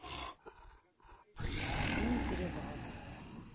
фильм перевал